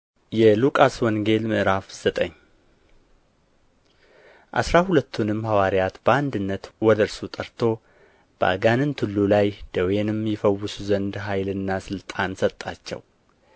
የሉቃስ ወንጌል ምዕራፍ ዘጠኝ አሥራ ሁለቱንም ሐዋርያት በአንድነት ወደ እርሱ ጠርቶ በአጋንንት ሁሉ ላይ ደዌንም ይፈውሱ ዘንድ ኃይልና ሥልጣን ሰጣቸው